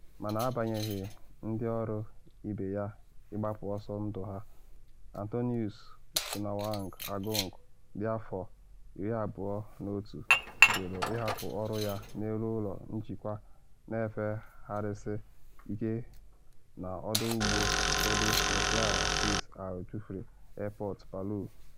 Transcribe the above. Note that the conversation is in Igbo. Mana agbanyeghị ndị ọrụ ibe ya ịgbapụ ọsọ ndụ ha, Anthonius Gunawang Agung dị afọ 21 juru ịhapụ ọrụ ya n’elu ụlọ njikwa na efegharịsị ike n’ọdụ ụgbọ elu Mutiara Sis Al Jufri Airport Palu.